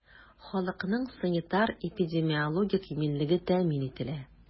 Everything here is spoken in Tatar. Халыкның санитар-эпидемиологик иминлеге тәэмин ителә.